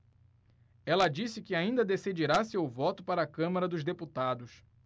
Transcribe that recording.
ela disse que ainda decidirá seu voto para a câmara dos deputados